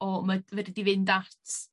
o ma' d- fedru di fynd at